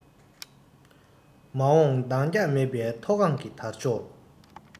མ འོངས འདང རྒྱག མེད པའི མཐོ སྒང གི དར ལྕོག